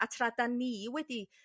a tra 'da ni wedi